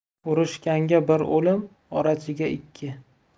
urishganga bir o'lim orachiga ikki